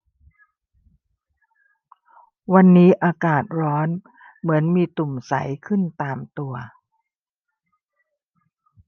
วันนี้อากาศร้อนเหมือนมีตุ่มใสขึ้นตามตัว